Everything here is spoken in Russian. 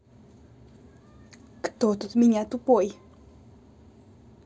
кто тут меня тупой